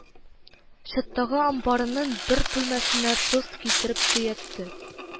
Чаттагы амбарының бер бүлмәсенә тоз китереп төятте